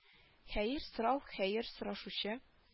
Хәер сорау хәер сорашучы